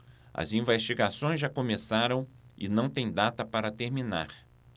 as investigações já começaram e não têm data para terminar